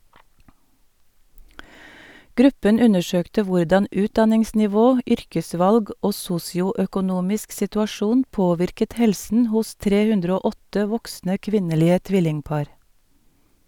Gruppen undersøkte hvordan utdanningsnivå, yrkesvalg og sosioøkonomisk situasjon påvirket helsen hos 308 voksne kvinnelige tvillingpar.